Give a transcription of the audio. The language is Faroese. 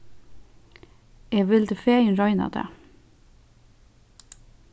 eg vildi fegin royna tað